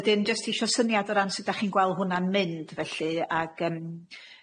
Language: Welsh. Wedyn jyst isio syniad o ran sud dach chi'n gwel' hwnna'n mynd felly ag yym.